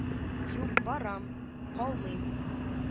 — юк, барам. калмыйм